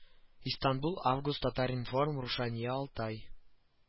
Истанбул август татар-информ рушания алтай